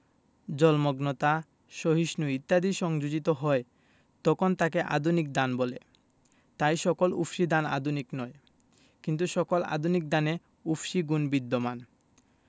জলমগ্নতা সহিষ্ণু ইত্যাদি সংযোজিত হয় তখন তাকে আধুনিক ধান বলে তাই সকল উফশী ধান আধুনিক নয় কিন্তু সকল আধুনিক ধানে উফশী গুণ বিদ্যমান